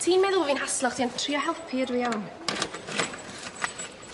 Ti'n meddwl bo' fi'n haslo chdi on' trio helpu ydw i iawn.